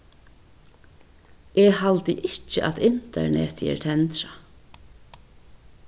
eg haldi ikki at internetið er tendrað